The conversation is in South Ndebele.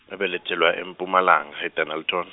ngabelethelwa e- Mpumalanga e- Dennilton.